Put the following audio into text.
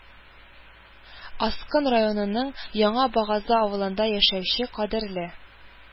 Аскын районының Яңа Багазы авылында яшәүче кадерле